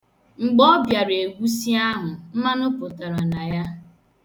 Mgbe ọ bịara egwusi ahụ, mmanụ pụtara na ya.